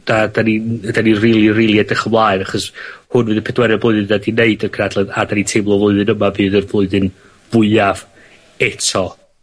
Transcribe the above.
a 'dyn ni'n 'dyn ni rili rili edrych ymlaen achos hwn fydd y pedwerydd blwyddyn fel ti'n deud y cynadledd a 'dan ni'n teimlo flwyddyn yma bydd yr blwyddyn fwyaf eto.